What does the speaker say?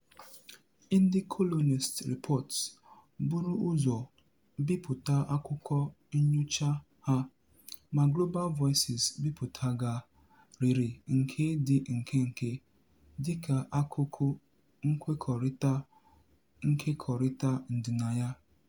Ndị Colonist Report buru ụzọ bipụta akụkọ nnyocha ha, ma Global Voices bipụtagharịrị nke dị nkenke dịka akụkụ nkwekọrịta nkekọrịta ndịnaya.